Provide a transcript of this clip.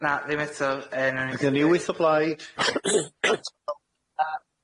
Na ddim eto yy nawn ni... Gynno ni wyth o blaid.